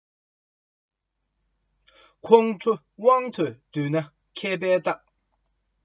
ཁོང ཁྲོའི རྗེས ལ འགྲོ མི གླེན པ རེད